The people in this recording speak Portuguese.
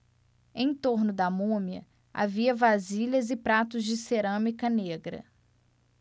em torno da múmia havia vasilhas e pratos de cerâmica negra